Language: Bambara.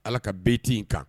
Ala ka bere t in kan